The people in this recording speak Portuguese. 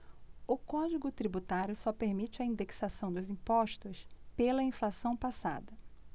o código tributário só permite a indexação dos impostos pela inflação passada